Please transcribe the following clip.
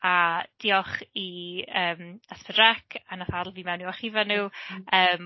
A diolch i yym S4C wnaeth adael fi mewn i'w archifau nhw yym...